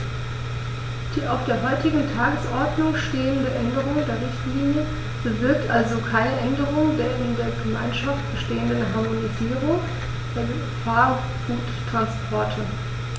Die auf der heutigen Tagesordnung stehende Änderung der Richtlinie bewirkt also keine Änderung der in der Gemeinschaft bestehenden Harmonisierung der Gefahrguttransporte.